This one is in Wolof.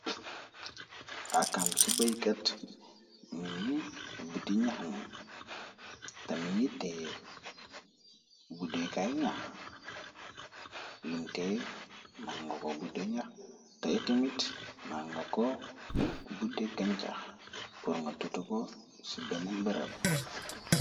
Akamb ci boykat, mi ngi buddi nax mi té, mi ngi tee budde kaay nax lumtee, manga ko budde njax té ité mit, ma nga ko budde gancax pur nga tutu ko ci beneen barab.